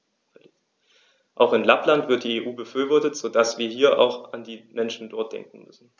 Auch in Lappland wird die EU befürwortet, so dass wir hier auch an die Menschen dort denken müssen.